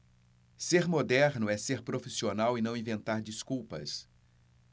ser moderno é ser profissional e não inventar desculpas